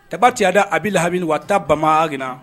Tabati da a bɛ lahami a ta bamag